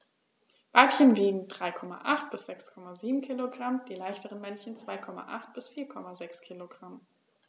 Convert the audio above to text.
Weibchen wiegen 3,8 bis 6,7 kg, die leichteren Männchen 2,8 bis 4,6 kg.